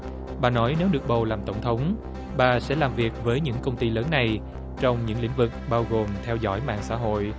bà nói nếu được bầu làm tổng thống bà sẽ làm việc với những công ty lớn này trong những lĩnh vực bao gồm theo dõi mạng xã hội